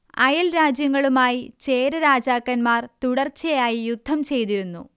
അയൽ രാജ്യങ്ങളുമായി ചേര രാജാക്കന്മാർ തുടർച്ചയായി യുദ്ധം ചെയ്തിരുന്നു